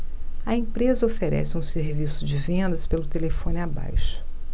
a empresa oferece um serviço de vendas pelo telefone abaixo